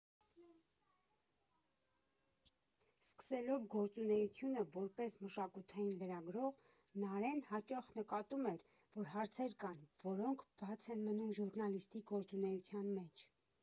Սկսելով գործունեությունը որպես մշակութային լրագրող՝ Նարէն հաճախ նկատում էր, որ հարցեր կան, որոնք բաց են մնում ժուռնալիստի գործունեության մեջ.